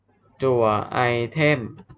จั่วไอเทม